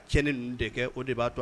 Cɛɲɛn ni ninnu de kɛ o de b'a to